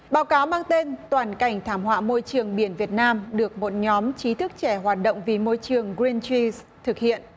báo cáo mang tên toàn cảnh thảm họa môi trường biển việt nam được một nhóm trí thức trẻ hoạt động vì môi trường quyn chi thực hiện